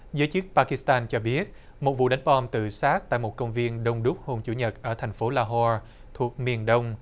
giới chức ba kít tan cho biết một vụ đánh bom tự sát tại một công viên đông đúc hồn chủ nhật ở thành phố la ho thuộc miền đông